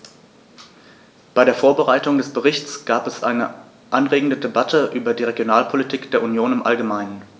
Bei der Vorbereitung des Berichts gab es eine anregende Debatte über die Regionalpolitik der Union im allgemeinen.